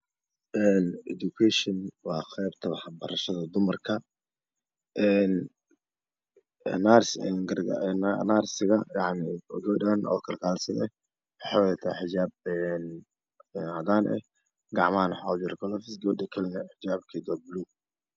Een education waa qeybta waxbarashada dumarka een nurse een gargar een nursiga yacni gabadhaan oo kalkaalisada ah waxay wadataa xijaab een cadaan ah gacmahana waxaa oogu jira galoofis gabadha kale xijaabeeda waa buluug